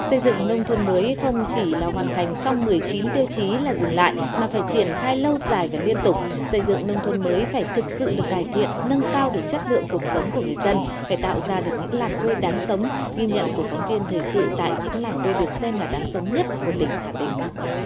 xây dựng nông thôn mới không chỉ là hoàn thành xong mười chín tiêu chí là dừng lại mà phải triển khai lâu dài và liên tục xây dựng nông thôn mới phải thực sự được cải thiện nâng cao được chất lượng cuộc sống của người dân phải tạo ra được những làng quê đáng sống ghi nhận của phóng viên thời sự tại những làng quê được xem là đáng sống nhất của tỉnh hà tĩnh